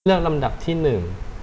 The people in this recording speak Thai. เลือกลำดับที่หนึ่ง